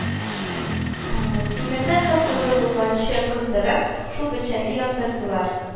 Тимерне кып-кызыл булганчы кыздырып, шул бетчәне яндырдылар